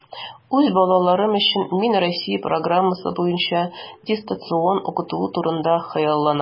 Үз балаларым өчен мин Россия программасы буенча дистанцион укыту турында хыялланам.